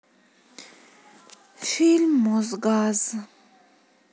фильм мосгаз